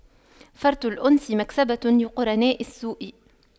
فرط الأنس مكسبة لقرناء السوء